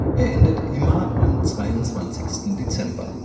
endet immer am 22. Dezember